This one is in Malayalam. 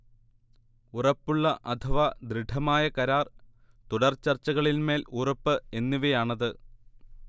ഉറപ്പുള്ള അഥവാ ദൃഢമായ കരാർ, തുടർചർച്ചകളിന്മേൽ ഉറപ്പ് എന്നിവയാണത്